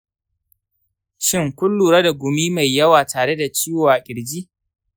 shin, kun lura da gumi mai yawa tare da ciwo a kirji?